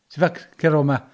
Ti'n fucked, cer o 'ma.